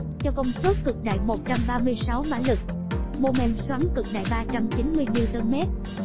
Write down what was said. cho công suất cực đại ps mômen xoắn cực đại n m